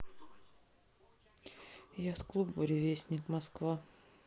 яхт клуб буревестник москва